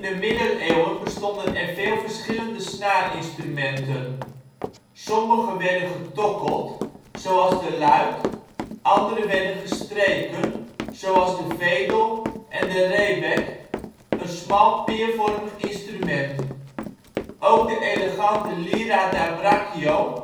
de middeleeuwen bestonden er veel verschillende snaarinstrumenten. Sommige werden getokkeld, zoals de luit, andere werden gestreken, zoals de vedel en de rebec, een smal peervormig instrument. Ook de elegante lira da braccio,